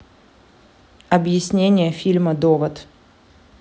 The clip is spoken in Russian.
объяснение фильма довод